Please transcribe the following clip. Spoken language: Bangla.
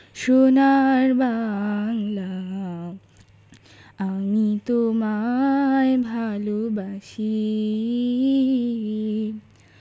সোনার বাংলা আমি তোমায় ভালবাসি